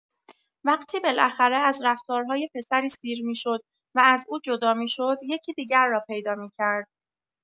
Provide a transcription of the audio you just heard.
وقتی بالاخره از رفتارهای پسری سیر می‌شد و از او جدا می‌شد، یکی دیگر را پیدا می‌کرد.